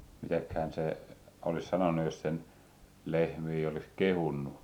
mitenkähän se olisi sanonut jos sen lehmiä olisi kehunut